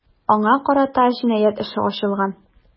Аңа карата җинаять эше ачылган.